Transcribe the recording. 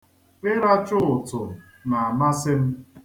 Ịracha ụtụ na-amasị m.